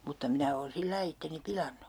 mutta minä olen sillä lailla itseni pilannut